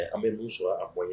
An bɛ' sɔrɔ an bɔ ye